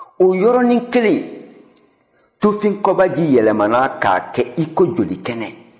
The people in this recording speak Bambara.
o yɔrɔnin kelen tufin kɔba ji yɛlɛmana ka kɛ iko joli kɛnɛ